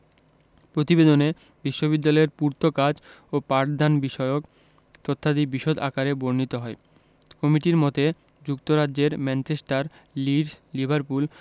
প্রতিবেদনে বিশ্ববিদ্যালয়ের পূর্তকাজ ও পাঠদানবিষয়ক তথ্যাদি বিশদ আকারে বর্ণিত হয় কমিটির মতে যুক্তরাজ্যের ম্যানচেস্টার লিডস লিভারপুল